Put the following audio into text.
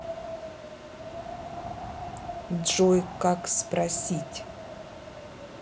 джой как спросить